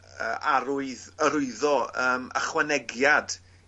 yy arwydd arwyddo yym ychwanegiad